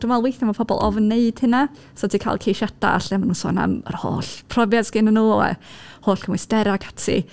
Dwi'n meddwl weithiau ma' pobl ofn wneud hynna, so ti'n cael ceisiadau lle ma' nhw'n sôn am yr holl profiad sgennyn nhw a holl cymhwysterau ac ati.